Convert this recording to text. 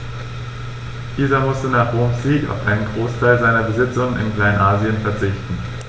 Dieser musste nach Roms Sieg auf einen Großteil seiner Besitzungen in Kleinasien verzichten.